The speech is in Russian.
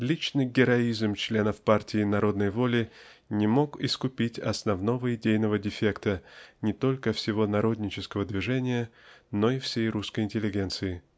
Личный героизм членов партии "Народной воли" не мог искупить основного идейного дефекта не только всего народнического движения но и всей русской интеллигенции.